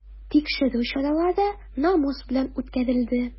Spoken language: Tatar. Тикшерү чаралары намус белән үткәрелде.